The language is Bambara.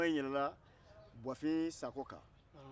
kuma in yɛlɛnna buwafin sakɔ kan